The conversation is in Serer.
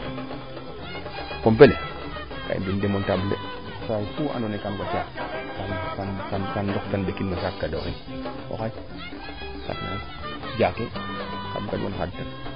o pompe le ga i mbi'in demontable de saayfu ando naye kam waca kan watnan ɓekin no saak waxooxin o xaay jake kam gad wan xaad tan